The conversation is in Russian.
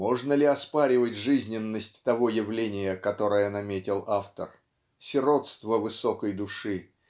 Можно ли оспаривать жизненность того явления, которое наметил автор, сиротство высокой души